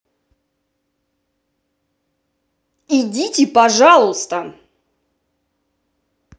идите пожалуйста